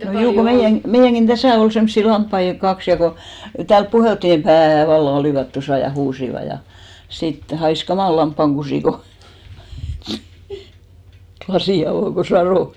meidän meidänkin tässä oli semmoisia lampaita kaksi ja kun ja täällä puheltiin pää vallan olivat tuossa ja huusivat ja sitten haisi kamala lampaankusi kun lasin avasi kun satoi